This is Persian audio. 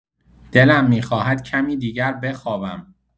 دلم می‌خواهد کمی دیگر بخوابم.